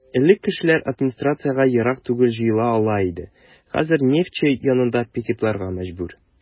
Элек кешеләр администрациягә ерак түгел җыела ала иде, хәзер "Нефтьче" янында пикетларга мәҗбүр.